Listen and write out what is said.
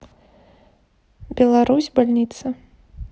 беларусь больница